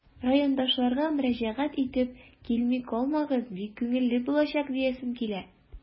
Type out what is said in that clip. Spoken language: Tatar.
Райондашларга мөрәҗәгать итеп, килми калмагыз, бик күңелле булачак диясем килә.